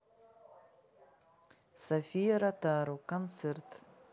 софия ротару концерт